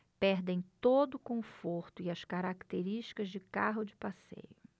perdem todo o conforto e as características de carro de passeio